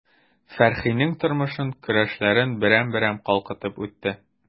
Фәхринең тормышын, көрәшләрен берәм-берәм калкытып үтте.